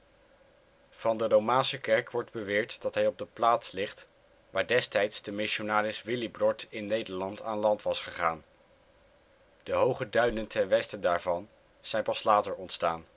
Van de romaanse kerk wordt beweerd dat hij op de plaats ligt, waar destijds de missionaris Willibrord in Nederland aan land was gegaan. De hoge duinen ten westen daarvan zijn pas later ontstaan